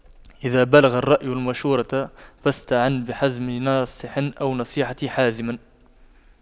إذا بلغ الرأي المشورة فاستعن بحزم ناصح أو نصيحة حازم